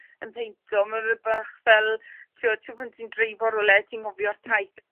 yn peinto ma' fe bach fel t'wod trw' pan ti'n dreifo rywle ti'n ngofio'r taith